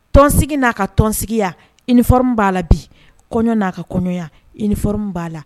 Tɔnsigin n' a ka tɔnsigiya , uniforme b'a la bi .kɔɲɔ n'a ka kɔɲɔya b'a la